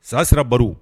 San Sira Baru